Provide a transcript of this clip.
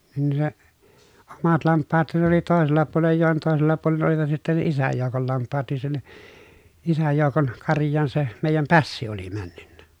niin niin se omat lampaathan ne oli toisella puolen ja joen toisella puolen olivat sitten ne isän joukon lampaat niissä niin isän joukon karjaan se meidän pässi oli - mennyt